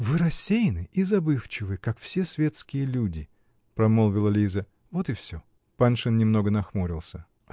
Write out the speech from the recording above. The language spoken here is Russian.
-- Вы рассеянны и забывчивы, как все светские люди, -- промолвила Лиза, -- вот и все. Паншин немного нахмурился.